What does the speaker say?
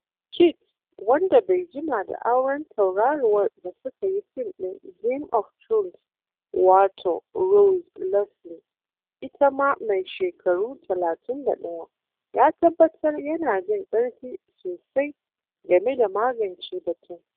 Kit, wanda bai jima da auren tauraruwar da suka yi fim ɗin Game of Thrones wator Rose Leslie, ita ma mai shekaru 31, ya tabbatar yana jin 'ƙarfi sosai' game da magance batun.